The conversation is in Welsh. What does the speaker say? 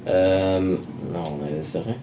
Yym o wna i ddeutha chi.